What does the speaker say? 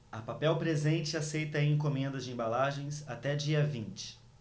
a papel presente aceita encomendas de embalagens até dia vinte